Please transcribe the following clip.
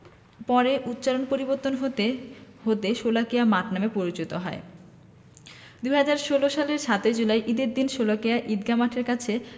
পরে উচ্চারণ পরিবর্তন হতে হতে শোলাকিয়া মাঠ নামে পরিচিতি পায় ২০১৬ সালের ৭ জুলাই ঈদের দিন শোলাকিয়া ঈদগাহ মাঠের কাছে